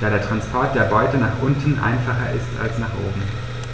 da der Transport der Beute nach unten einfacher ist als nach oben.